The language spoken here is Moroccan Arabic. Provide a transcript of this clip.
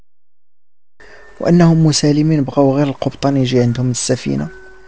وان هم مسلمين بغير القبطان يجي عندهم السفينه